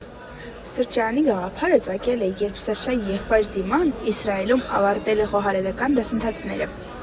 Սրճարանի գաղափարը ծագել է, երբ Սաշայի եղբայրը՝ Դիման, Իսրայելում ավարտել է խոհարարական դասընթացները։